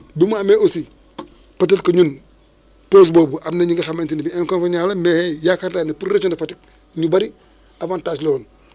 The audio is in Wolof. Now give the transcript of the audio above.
bi mu amee aussi peut être que ñun pause boobu am na ñi nga xamante ne bi inconvenient la mais yaakaar naa ni pour région de Fatick ñu bëri avantage la woon